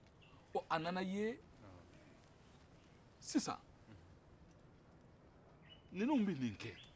ɔ a nana ye sisan ninnu bɛ nin kɛ